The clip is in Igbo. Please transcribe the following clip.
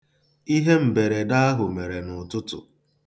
Ihe mberede ahụ mere n'ụtụtụ.